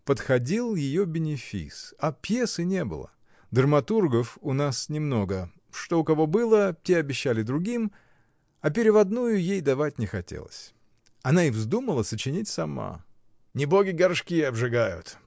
Подходил ее бенефис, а пьесы не было: драматургов у нас немного: что у кого было, те обещали другим, а переводную ей давать не хотелось. Она и вздумала сочинить сама. — Не боги горшки обжигают!